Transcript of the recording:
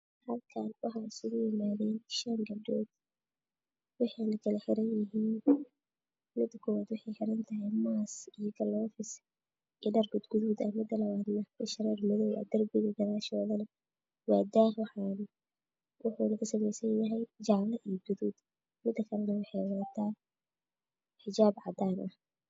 Halkaan shan gabdhood mida koowad maas guduud daah waxuna kalarkisa jaale guduug xijaab cadaan